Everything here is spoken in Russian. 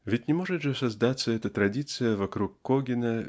Ведь не может же создаться эта традиция вокруг Когена